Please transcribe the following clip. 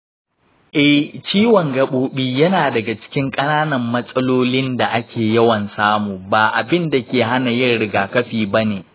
eh, ciwon gabobi yana daga cikin ƙananan matsalolin da ake yawan samu. ba abin da ke hana yin rigakafi ba ne.